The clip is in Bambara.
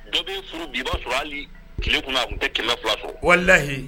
Dɔ bɛ furu b i b'a sɔrɔ tile kunna tun tɛ kɛmɛ filaso wa lahiyi